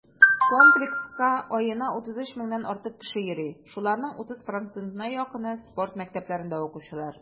Комплекска аена 33 меңнән артык кеше йөри, шуларның 30 %-на якыны - спорт мәктәпләрендә укучылар.